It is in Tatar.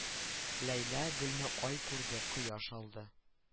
Ләйлә гөлне ай күрде кояш алды